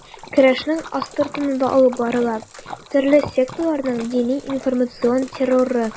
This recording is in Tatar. Көрәшнең астыртыны да алып барыла: төрле секталарның дини-информацион терроры.